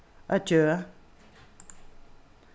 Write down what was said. adjø